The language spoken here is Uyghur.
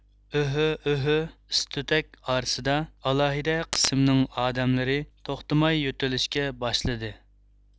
ئۆھھۆ ئۆھھۆ ئىس تۈتەك ئارىسىدا ئالاھىدە قىسمىنىڭ ئادەملىرى توختىماي يۆتىلىشكە باشلىدى